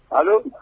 Aa